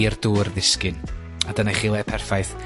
i'r dŵr ddisgyn. a dyna i chi le perffaith